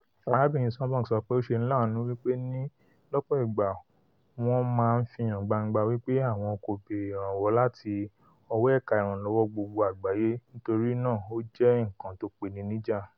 Arábìrin Sumbung sọ wipe ó ṣeni láàánú wípé ní lọ́pọ̀ ìgbà wọ́n ma ń fihàn gbangba wípé àwọn kò béèrè ìraǹwọ́ láti ọwọ́ ẹ̀ka ìrànlọ́wọ́ gbogbo àgbáyé, nítorí náà ó jẹ́ nǹkan tó peni níjà,''